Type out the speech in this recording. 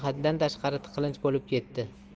haddan tashqari tiqilinch bo'lib ketdi